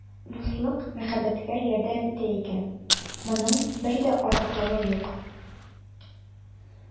Дуслык мәхәббәткә ярдәм итә икән, моның бер дә артыклыгы юк.